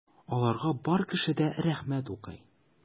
Аларга бар кеше дә рәхмәт укый.